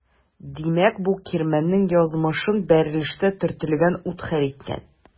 Димәк бу кирмәннең язмышын бәрелештә төртелгән ут хәл иткән.